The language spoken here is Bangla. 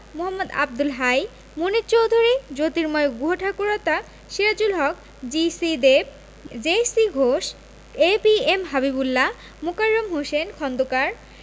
Md Abdul Hai Munir Chowdhury Jyotirmoy Guhathakurta Sirajul Haq G C Dev J C Ghosh A B M Habibullah Mokarram Hossain Khandakar